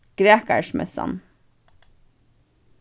grækarismessan